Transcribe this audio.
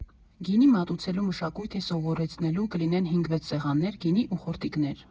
Գինի մատուցելու մշակույթ է սովորեցնելու, կլինեն հինգ֊վեց սեղաններ, գինի ու խորտիկներ։